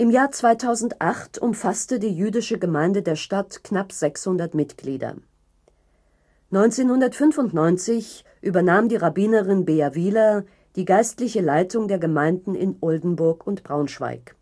Jahr 2008 umfasst die Jüdische Gemeinde der Stadt knapp 600 Mitglieder. 1995 übernahm die Rabbinerin Bea Wyler die geistliche Leitung der Gemeinden in Oldenburg und Braunschweig